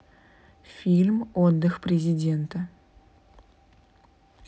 фильм отдых президента